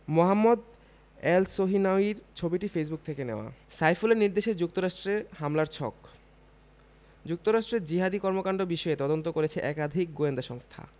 মোহাম্মদ এলসহিনাউয়ির ছবিটি ফেসবুক থেকে নেওয়া সাইফুলের নির্দেশে যুক্তরাষ্ট্রে হামলার ছক যুক্তরাষ্ট্রে জিহাদি কর্মকাণ্ড বিষয়ে তদন্ত করেছে একাধিক গোয়েন্দা সংস্থা